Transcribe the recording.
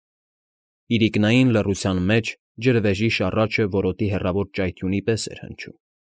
Իրիկնային լռության մեջ ջրվեժի շառաչը որոտի հեռավոր ճայթյունի պես էր հնչում։